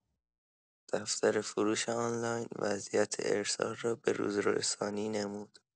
دفتر فروش آنلاین وضعیت ارسال را به‌روزرسانی نمود.